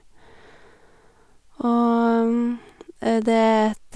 Og det er et...